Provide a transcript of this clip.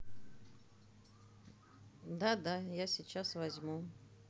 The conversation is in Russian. да да я сейчас возьму